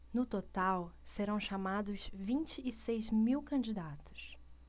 no total serão chamados vinte e seis mil candidatos